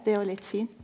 det er jo litt fint.